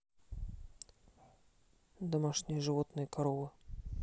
домашние животные коровы